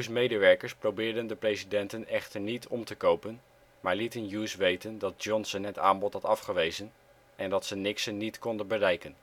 medewerkers probeerden de presidenten echter niet om te kopen maar lieten Hughes weten dat Johnson het aanbod had afgewezen en dat ze Nixon niet konden bereiken